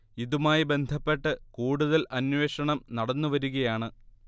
ഇതുമായി ബന്ധപ്പെട്ട് കൂടുതൽ അന്വഷണം നടന്ന് വരുകയാണ്